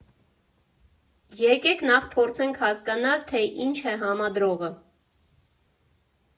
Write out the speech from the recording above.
Եկեք նախ փորձենք հասկանալ, թե ինչ է համադրողը։